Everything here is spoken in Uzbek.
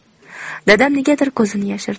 dadam negadir ko'zini yashirdi